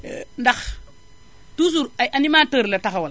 ndax toujours ay animateurs la taxawal